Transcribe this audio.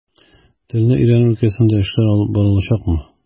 Телне өйрәнү өлкәсендә эшләр алып барылачакмы?